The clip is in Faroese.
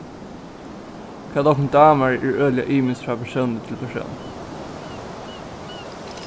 hvat okkum dámar er øgiliga ymiskt frá persóni til persón